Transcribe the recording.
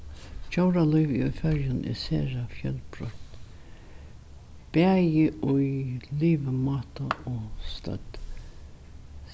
djóralívið í føroyum er sera fjølbroytt bæði í livimáta og stødd